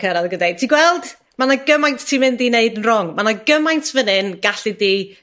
cyrredd ag yn deud ti gweld ma' 'na gymaint ti mynd i neud yn rong. Ma' 'na gymaint fan 'yn gallu di